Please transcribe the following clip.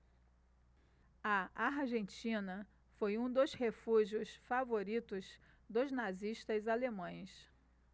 a argentina foi um dos refúgios favoritos dos nazistas alemães